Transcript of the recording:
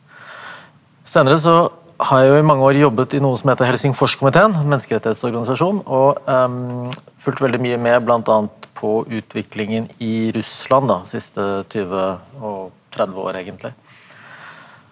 senere så har jeg jo i mange år jobbet i noe som heter Helsingforskomiteen menneskerettighetsorganisasjonen og fulgt veldig mye med bl.a. på utviklingen i Russland da siste 20 og 30 år egentlig.